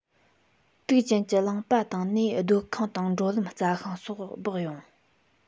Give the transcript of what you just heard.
དུག ཅན གྱི རླངས པ བཏང ནས སྡོད ཁང དང འགྲོ ལམ རྩྭ ཤིང སོགས འབག ཡོང